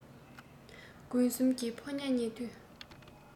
དགུན གསུམ གྱི ཕོ ཉ ཉེ དུས